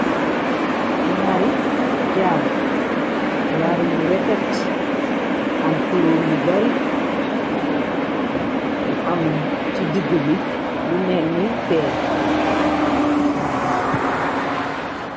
Nñaari jaaru, jaaru yu refet am kuloor yu bari, ñu am ci digg bi lu meni peer. Waw